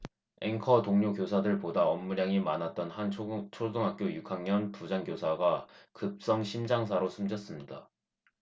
앵커 동료 교사들보다 업무량이 많았던 한 초등학교 육 학년 부장교사가 급성심장사로 숨졌습니다